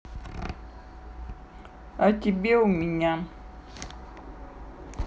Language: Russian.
о тебе у меня